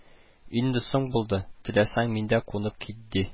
– инде соң булды, теләсәң миндә кунып кит, – ди